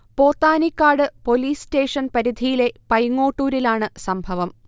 Pothanikkad police station പരിധിയിലെ പൈങ്ങോട്ടൂരിലാണ് സംഭവം